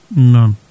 noon